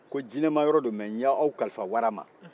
ko jinɛmayɔrɔ don nka n y'aw kalifa wara ma